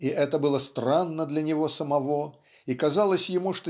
и это было странно для него самого и казалось ему